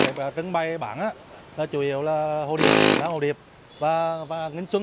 bay á nó chủ yếu là hồ điệp lan hồ điệp và và nguyễn xuân